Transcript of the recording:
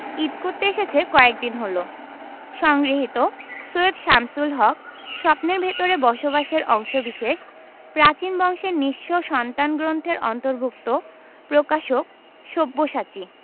ঈদ করতে এসেছে কয়েকদিন হলো সংগৃহীত সৈয়দ শামসুল হক স্বপ্নের ভেতরে বসবাস এর অংশবিশেষ প্রাচীন বংশের নিঃস্ব সন্তান গ্রন্থের অন্তর্ভুক্ত প্রকাশকঃ সব্যসাচী